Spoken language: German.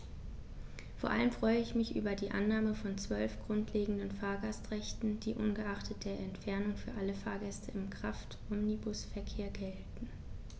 Vor allem freue ich mich über die Annahme von 12 grundlegenden Fahrgastrechten, die ungeachtet der Entfernung für alle Fahrgäste im Kraftomnibusverkehr gelten.